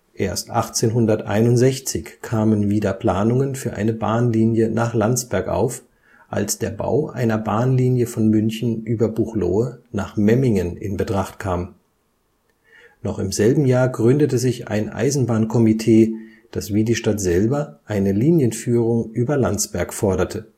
Erst 1861 kamen wieder Planungen für eine Bahnlinie nach Landsberg auf, als der Bau einer Bahnlinie von München über Buchloe nach Memmingen in Betracht kam. Noch im selben Jahr gründete sich ein Eisenbahnkomitee, das wie die Stadt selber eine Linienführung über Landsberg forderte